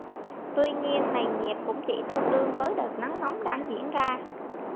tuy nhiên nền nhiệt cũng chỉ tương đương với đợt nắng nóng đang diễn ra